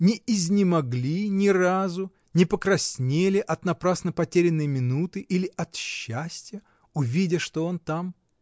не изнемогли ни разу, не покраснели от напрасно потерянной минуты или от счастья, увидя, что он там?